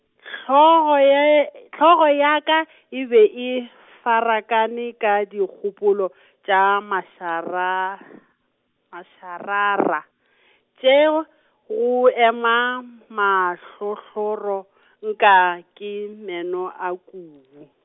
hlogo ye , hlogo ya ka, e be e farakana ka dikgopolo , tša mašara-, mašarara , tše, go ema , mahlohloro , nka ke meno a kubu.